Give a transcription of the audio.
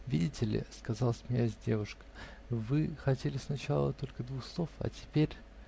-- Видите ли, -- сказала, смеясь, девушка, -- вы хотели сначала только двух слов, а теперь.